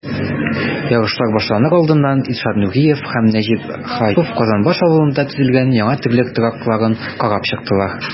Ярышлар башланыр алдыннан Илшат Нуриев һәм Нәҗип Хаҗипов Казанбаш авылында төзелгән яңа терлек торакларын карап чыктылар.